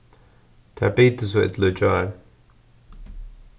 tær bitu so illa í gjár